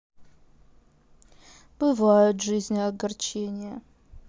бывает в жизни огорчения